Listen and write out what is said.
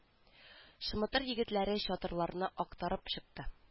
Шымытыр егетләре чатырларны актарып чыкты